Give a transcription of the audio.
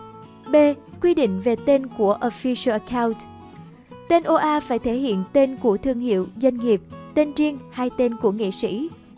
b quy định về tên oa tên oa phải thể hiện tên của thương hiệu doanh nghiệp tên riêng hay tên của nghệ sĩ